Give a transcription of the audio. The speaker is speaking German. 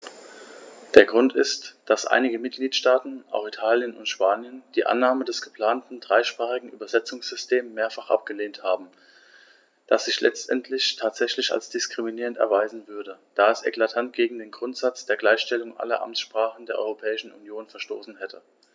Der Grund ist, dass einige Mitgliedstaaten - auch Italien und Spanien - die Annahme des geplanten dreisprachigen Übersetzungssystems mehrfach abgelehnt haben, das sich letztendlich tatsächlich als diskriminierend erweisen würde, da es eklatant gegen den Grundsatz der Gleichstellung aller Amtssprachen der Europäischen Union verstoßen hätte.